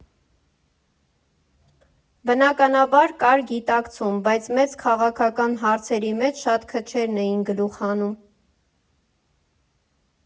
Բնականաբար, կար գիտակցում, բայց մեծ քաղաքական հարցերի մեջ շատ քչերն էին գլուխ հանում։